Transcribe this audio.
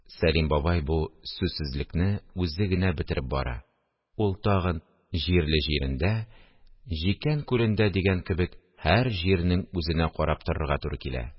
Сәлим бабай бу сүзсезлекне үзе генә бетереп бара, ул тагын: – Җирле җирендә, җикән күлендә дигән кебек, һәр җирнең үзенә карап торырга туры килә